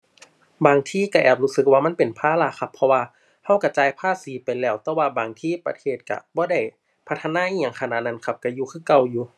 บางทีก็แอบรู้สึกว่ามันเป็นภาระครับ เพราะว่าก็ก็จ่ายภาษีไปแล้ว แต่ว่าบางทีประเทศก็บ่ได้พัฒนาอิหยังขนาดนั้นครับ ก็อยู่คือเก่าอยู่